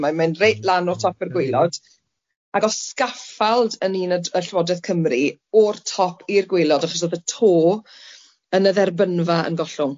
Mae'n mynd reit lan o top i'r gwaelod ag o'dd sgaffald yn un y y Llywodreth Cymru o'r top i'r gwaelod achos o'dd y to yn y dderbynfa yn gollwng.